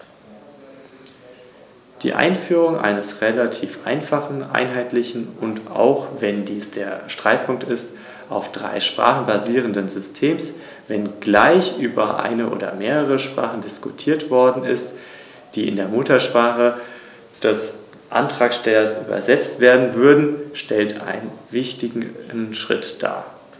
Es geht uns erstens um eine ordnungsgemäße Verwendung der Mittel aus den Struktur- und dem Kohäsionsfonds.